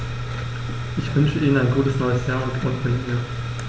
Ich wünsche Ihnen ein gutes neues Jahr und Millennium.